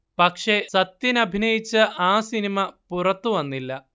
പക്ഷേ സത്യനഭിനയിച്ച ആ സിനിമ പുറത്തുവന്നില്ല